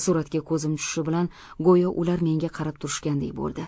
suratga ko'zim tushishi bilan go'yo ular menga qarab turishgandek bo'ldi